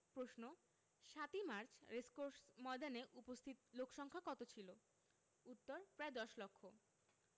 প্রশ্ন ৭ই মার্চ রেসকোর্স ময়দানে উপস্থিত লোকসংক্ষা কত ছিলো উত্তর প্রায় দশ লক্ষ